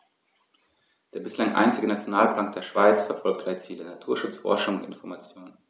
Der bislang einzige Nationalpark der Schweiz verfolgt drei Ziele: Naturschutz, Forschung und Information.